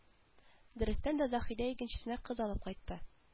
Дөрестән дә заһидә икенчесенә кыз алып кайтты